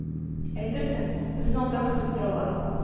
Әйтерсең безне анда көтеп торалар